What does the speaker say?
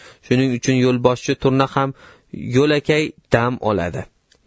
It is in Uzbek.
shuning uchun yo'lboshchi turna ham yo'lakay dam oladi